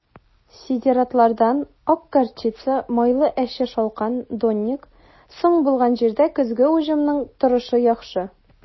Сидератлардан (ак горчица, майлы әче шалкан, донник) соң булган җирдә көзге уҗымның торышы яхшы.